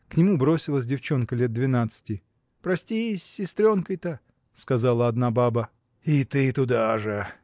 К нему бросилась девчонка лет двенадцати. – Простись с сестренкой-то! – сказала одна баба. – И ты туда же!